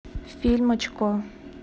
фильм очко